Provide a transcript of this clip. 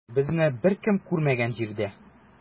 Безне беркем күрмәгән җирдә.